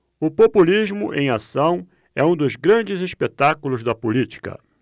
o populismo em ação é um dos grandes espetáculos da política